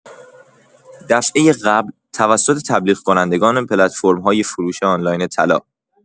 دفعۀ قبل توسط تبلیغ‌کنندگان پلتفرم‌های فروش آنلاین طلا